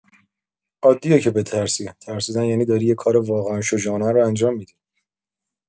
عادیه که بترسی، ترسیدن یعنی داری یه کار واقعا شجاعانه رو انجام می‌دی.